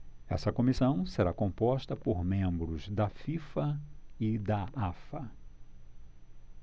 essa comissão será composta por membros da fifa e da afa